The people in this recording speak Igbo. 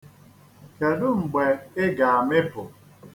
Kedụ mgbe ị ga-amịpụ.